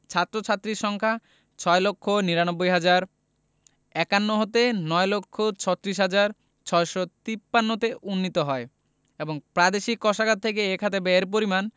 প্রতিষ্ঠানের ছাত্র ছাত্রীদের সংখ্যা ৬ লক্ষ ৯৯ হাজার ৫১ হতে ৯ লক্ষ ৩৬ হাজার ৬৫৩ তে উন্নীত হয় এবং প্রাদেশিক কোষাগার থেকে এ খাতে ব্যয়ের পরিমাণ